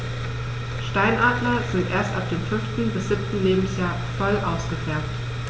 Steinadler sind erst ab dem 5. bis 7. Lebensjahr voll ausgefärbt.